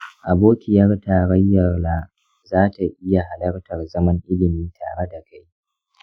abokiyar tarayyarla za ta iya halartar zaman ilimi tare da kai.